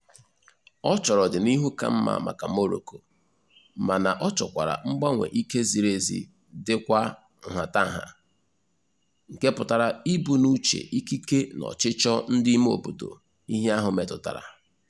Ọ chọrọ ọdịnihu ka mma maka Morocco, mana ọ chọkwara mgbanwe ike ziri ezi dịkwa nhatanha, nke pụtara ibu n'uche ikike na ọchịchọ ndị imeobodo ihe ahụ metụtara.